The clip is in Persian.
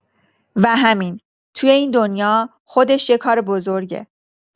و همین، توی این دنیا، خودش یه کار بزرگه.